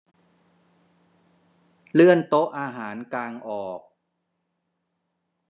เลื่อนโต๊ะอาหารกางออก